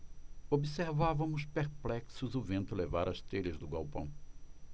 observávamos perplexos o vento levar as telhas do galpão